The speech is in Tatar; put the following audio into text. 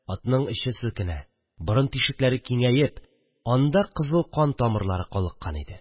Атның эче селкенә, борын тишекләре киңәеп, анда кызыл кан тамырлары калыккан иде